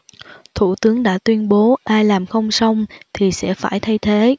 thủ tướng đã tuyên bố ai làm không xong thì sẽ phải thay thế